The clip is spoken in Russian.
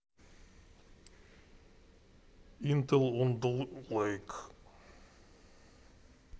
интел older lake